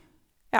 Ja.